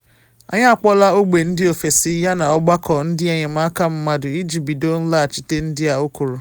“Anyị akpọọla ogbe ndị ofesi yana ọgbakọ ndị enyemaka mmadụ iji bido nlaghachite ndị a,” o kwuru.